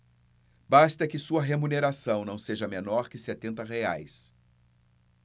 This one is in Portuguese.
basta que sua remuneração não seja menor que setenta reais